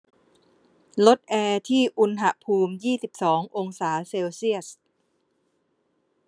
ลดแอร์ที่อุณหภูมิยี่สิบสององศาเซลเซียส